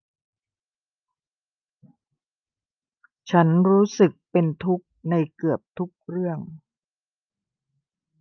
ฉันรู้สึกเป็นทุกข์ในเกือบทุกเรื่อง